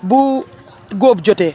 bu góob jotee